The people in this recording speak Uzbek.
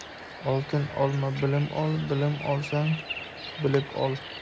oltin olma bilim ol bilim olsang bilib ol